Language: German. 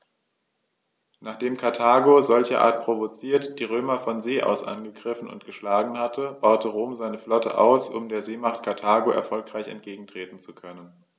Nachdem Karthago, solcherart provoziert, die Römer von See aus angegriffen und geschlagen hatte, baute Rom seine Flotte aus, um der Seemacht Karthago erfolgreich entgegentreten zu können.